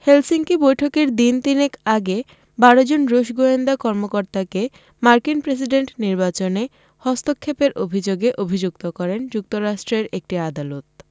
Helsinki বৈঠকের দিন তিনেক আগে ১২ জন রুশ গোয়েন্দা কর্মকর্তাকে মার্কিন প্রেসিডেন্ট নির্বাচনে হস্তক্ষেপের অভিযোগে অভিযুক্ত করেন যুক্তরাষ্ট্রের একটি আদালত